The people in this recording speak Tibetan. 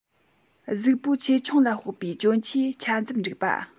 གཟུགས པོའི ཆེ ཆུང ལ དཔགས པའི གྱོན ཆས ཆ འཛབས འགྲིག པ